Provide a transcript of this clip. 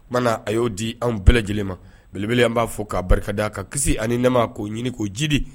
O mana a y'o di anw bɛɛ lajɛlen ma belebele an b'a fɔ k'a barika d'a ka kisi ani nɛma k'o ɲini k'o jiri di